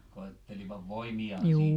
koettelivat voimiaan siinä